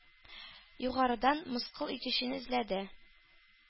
Югарыдан мыскыл итүчене эзләде.